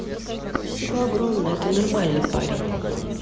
спасибо огромное ты нормальный парень